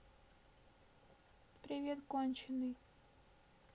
привет конченный